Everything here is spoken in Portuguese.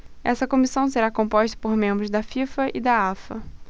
essa comissão será composta por membros da fifa e da afa